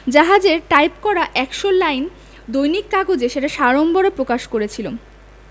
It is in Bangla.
জাহাজের টাইপ করা এক শ লাইন দৈনিক কাগজে সেটা সাড়ম্বরে প্রকাশ করেছিলুম